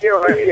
iyo